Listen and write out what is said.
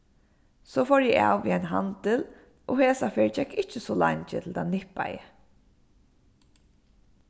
so fór eg av við ein handil og hesa ferð gekk ikki so leingi til tað nippaði